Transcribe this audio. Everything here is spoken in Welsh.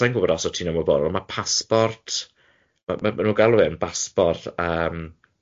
Sa i'n gwybod os wyt ti'n ymwybodol, ond ma' pasbort ma' ma' maen nhw'n galw e'n basbort yym.